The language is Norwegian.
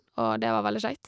Og det var veldig kjekt.